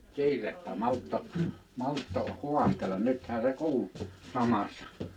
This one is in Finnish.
kiirettä malttoi malttoi haastella nythän se kuuli samassa